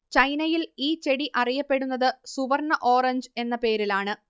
ചൈനയിൽ ഈ ചെടി അറിയപ്പെടുന്നത് സുവർണ്ണ ഓറഞ്ച് എന്ന പേരിലാണ്